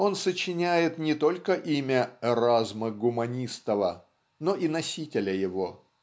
Он сочиняет не только имя Эразма Гуманистова, но и носителя его.